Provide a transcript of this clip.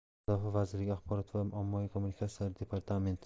mudofaa vazirligi axborot va ommaviy kommunikatsiyalar departamenti